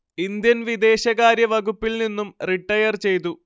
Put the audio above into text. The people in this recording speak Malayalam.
ഇന്ത്യൻ വിദേശകാര്യ വകുപ്പിൽ നിന്നും റിട്ടയർ ചെയ്തു